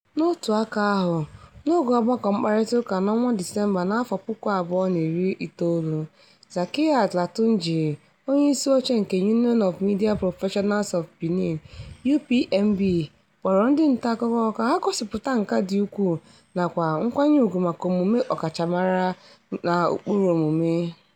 N'otu aka ahụ, n'oge ọgbakọ mkparịtaụka na Disemba 2019, Zakiath Latondji , onyeisi oche nke Union of Media Professionals of Benin (UPMB), kpọrọ ndị ntaakụkọ ka ha gosịpụta nkà dị ukwuu nakwa nkwanye ùgwù maka omume ọkachamara na ụkpụrụ omume.